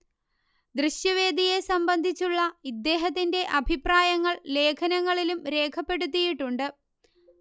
ദൃശ്യവേദിയെ സംബന്ധിച്ചുള്ള ഇദ്ദേഹത്തിന്റെ അഭിപ്രായങ്ങൾ ലേഖനങ്ങളിലും രേഖപ്പെടുത്തിയിട്ടുണ്ട്